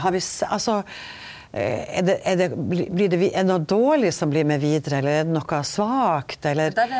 har vi altså er det er det blir det er det noko dårleg som blir med vidare eller er det noko svakt eller?